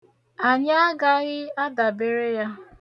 Anyị agaghị adabere ya.